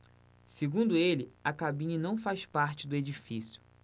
segundo ele a cabine não faz parte do edifício